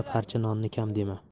parcha nonni kam yema